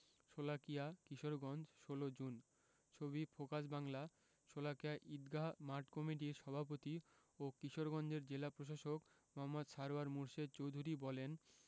Sholakia Kishoreganj ১৬ June ছবি focus বাংলাশোলাকিয়া ঈদগাহ মাঠ কমিটির সভাপতি ও কিশোরগঞ্জের জেলা প্রশাসক মো. সারওয়ার মুর্শেদ চৌধুরী বলেন